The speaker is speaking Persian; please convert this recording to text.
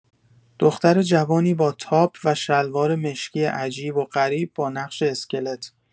دختر جوانی با تاپ و شلوار مشکی عجیب و غریب با نقش اسکلت